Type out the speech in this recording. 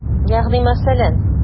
Ягъни мәсәлән?